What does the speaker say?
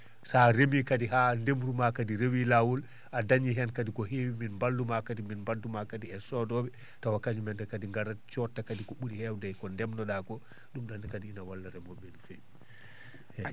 so a remi kadi haa ndemru ma kadi rewii laawol a dañii heen kadi ko heewi min mballu ma kadi min mbaddu maa kadi e soodooɓe tawa kañum menne kadi ngarat cootta kadi ko ɓuri heewde e ko ndemnoɗa ko ɗum ɗonne kadi ina walla remooɓe ɓe no feewi eeyi